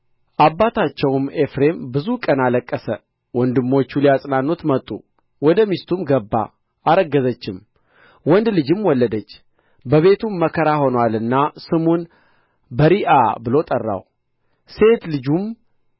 አባታቸውም ኤፍሬም ብዙ ቀን አለቀሰ ወንድሞቹም ሊያጽናኑት መጡ ወደ ሚስቱም ገባ አረገዘችም ወንድ ልጅም ወለደች በቤቱም መከራ ሆኖአልና ስሙ በሪዓ ብሎ ጠራው ሴት ልጁም